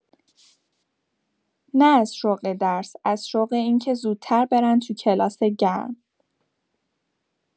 نه از شوق درس، از شوق این که زودتر برن تو کلاس گرم.